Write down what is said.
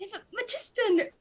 Ie fe- ma' jyst yn